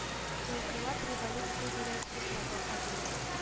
Нкыйлаб “революция” дигән сүз ләбаса, димәк